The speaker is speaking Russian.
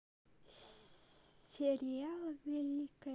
сериал великая